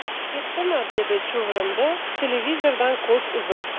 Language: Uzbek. ketdimi dedi chuvrindi televizordan ko'z uzib